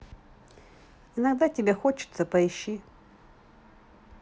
иногда тебе хочется поищи